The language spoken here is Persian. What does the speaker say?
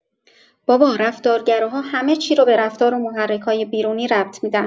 بابا رفتارگراها همه چی رو به رفتار و محرک‌های بیرونی ربط می‌دن!